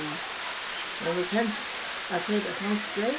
hon verður send at keypa eitt franskbreyð